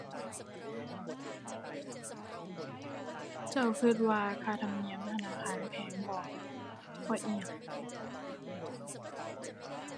เจ้าคิดว่าค่าธรรมเนียมธนาคารแพงบ่ เพราะอิหยัง